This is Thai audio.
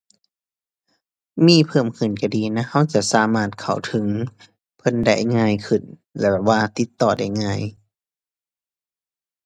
มีเพิ่มขึ้นก็ดีนะ ก็จะสามารถเข้าถึงเพิ่นได้ง่ายขึ้น แล้วแบบว่าติดต่อได้ง่าย